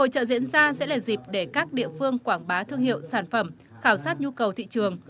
hội chợ diễn ra sẽ là dịp để các địa phương quảng bá thương hiệu sản phẩm khảo sát nhu cầu thị trường